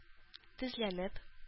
Тезләнеп